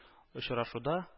Очрашуда